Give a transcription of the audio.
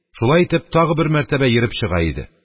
Шулай итеп, тагы бер мәртәбә йөреп чыга иде.